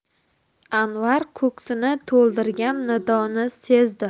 anvar ko'ksini to'ldirgan nidoni sezdi